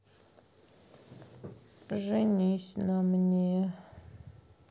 женись на мне